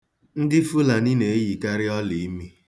Ndị Fulani na-eyikarị ọliimi.